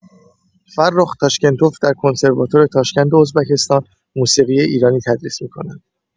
فرخ تاشکنتوف در کنسرواتوار تاشکند ازبکستان موسیقی ایرانی تدریس می‌کند.